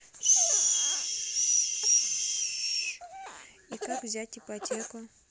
и как взять ипотеку